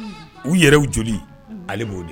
U yɛrɛw joli ale b'o de